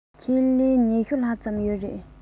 ཆེད ལས ༢༠ ལྷག ཙམ ཡོད རེད